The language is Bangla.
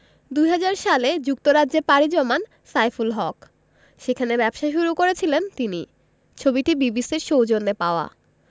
২০০০ সালে যুক্তরাজ্যে পাড়ি জমান সাইফুল হক সেখানে ব্যবসা শুরু করেছিলেন তিনি ছবিটি বিবিসির সৌজন্যে পাওয়া